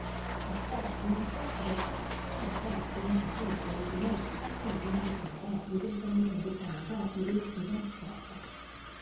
앞서 지난 천 구백 팔십 칠 년부터 지금까지 연준은 시장이 요동칠 때마다 유동성을 공급하면서 이를 진정시켜 왔다